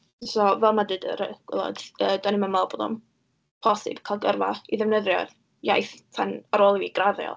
So fel ma'n deud ar y gwaelod, yy, do'n i'm yn meddwl bod o'n posib cael gyrfa i ddefnyddio'r iaith tan ar ôl i fi graddio.